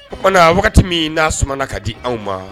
O tuma wagati min n'a sɔnnaumana ka di aw ma